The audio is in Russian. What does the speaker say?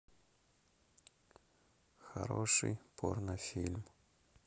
хороший порно фильм